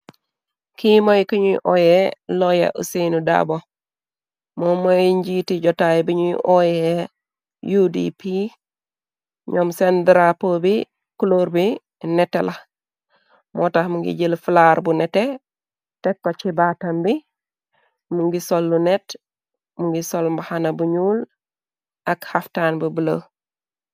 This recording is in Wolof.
Kii moy ku ñuy ooye lawyer Ouseynou Darbo. Mom mooy njiiti jotaay biñuy ooye udp ñoom seen drapo bi cloor bi nette la moo tax mungi jël flaar bu nete teko ci baatam bi. Mu ngi sol lunet. Mu ngi sol mbaxana bu ñuul ak xaftaan bu blë.